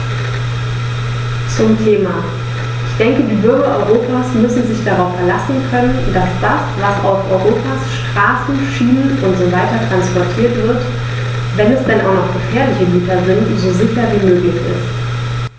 Zum Thema: Ich denke, die Bürger Europas müssen sich darauf verlassen können, dass das, was auf Europas Straßen, Schienen usw. transportiert wird, wenn es denn auch noch gefährliche Güter sind, so sicher wie möglich ist.